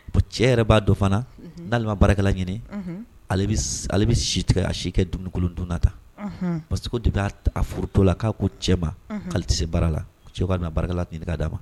Bon cɛ yɛrɛ b'a dɔn fana unhun n'ale ma baarakɛla ɲini unhun ale bi s ale bi si tigɛ a si kɛ dumunikolon dun na tan unhun parce que ko dépuis a t a furutɔla k'a ko cɛ ma unhun k'ale te se baara la ko cɛ ko k'ale bɛna baarakɛla d ɲini k'a dama